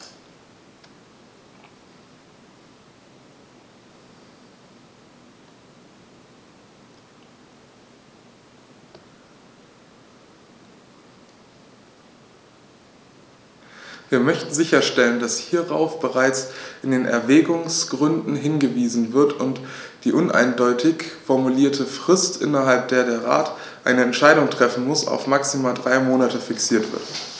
Wir möchten sicherstellen, dass hierauf bereits in den Erwägungsgründen hingewiesen wird und die uneindeutig formulierte Frist, innerhalb der der Rat eine Entscheidung treffen muss, auf maximal drei Monate fixiert wird.